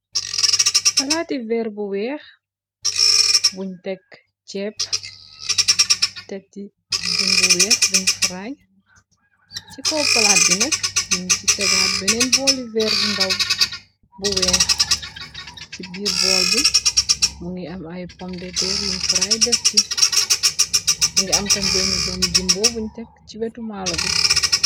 Palaati veer bu weex, buñ tekk cépp, tébti rjën bu weex buñ friñ, ci kop palaat bi nak, min ci tegaat beneen booli veer bu ndaw, bu weex, ci biir bool bi mu ngi am i pomde teruyuñ fri def ngi, amtam bénn doomi jëmbo buñ tekk ci wetu maalo bi.